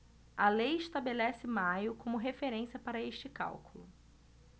a lei estabelece maio como referência para este cálculo